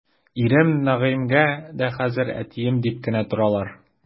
Ирем Нәгыймгә дә хәзер әтием дип кенә торалар.